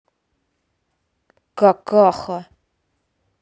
какаха